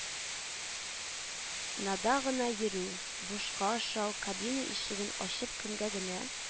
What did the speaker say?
Нада гына йөрү, бушка ашау, кабина ишеген ачып кемгә генә